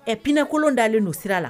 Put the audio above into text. Ɛ pinɛkolon dalenlen don sira la